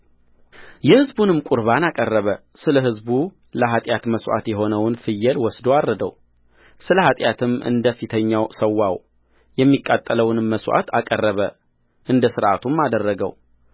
የሕዝቡንም ቍርባን አቀረበ ስለ ሕዝቡ ለኃጢአት መሥዋዕት የሆነውን ፍየል ወስዶ አረደው ስለ ኃጢአትም እንደ ፊተኛው ሠዋውየሚቃጠለውንም መሥዋዕት አቀረበ እንደ ሥርዓቱም አደረገው